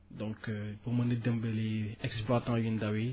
donc pour mën a dimbali exploitant yu ndaw YI